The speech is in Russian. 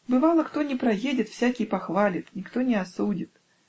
Бывало, кто ни проедет, всякий похвалит, никто не осудит.